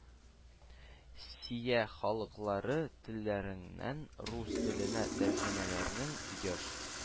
Сия халыклары телләреннән рус теленә тәрҗемәләрнең еш